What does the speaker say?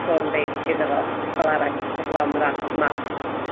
ffôn fi iddo fo fel arall heblaw am yr ap maps...